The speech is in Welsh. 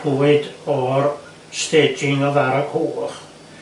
rhwyd o'r staging o'dd ar y cwch